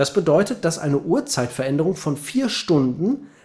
bedeutet, dass eine Uhrzeit-Veränderung von vier Stunden